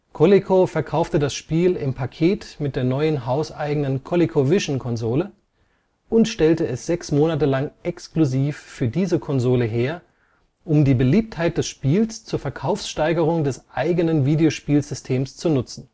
Coleco verkaufte das Spiel im Paket mit der neuen hauseigenen ColecoVision-Konsole und stellte es sechs Monate lang exklusiv für diese Konsole her, um die Beliebtheit des Spiels zur Verkaufssteigerung des eigenen Videospielsystems zu nutzen